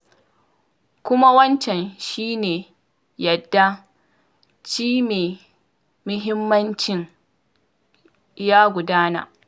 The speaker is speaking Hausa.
Kuma wancan shi ne yadda ci mai muhimmancin ya gudana.